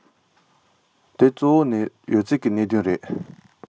གཙོ བོ ནི ཁྱོན ཡོངས ཀྱི གནད དོན ཡིན